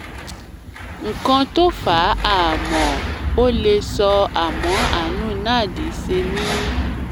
Nǹkan to fà á mo ‘ò le sọ àmọ́ àánú Nad ṣe mí.